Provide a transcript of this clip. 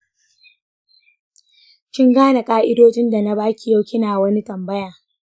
kin gane ƙa'idojin da na baki yau, kina da wani tambaya?